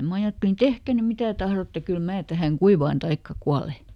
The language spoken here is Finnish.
minä ajattelin tehkää nyt mitä tahdotte kyllä minä tähän kuivaan tai kuolen